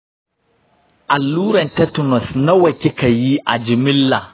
alluran tetanus nawa kika yi a jimilla?